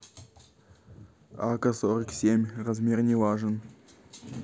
ака сорок семь размер не важен